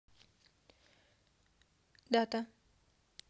дата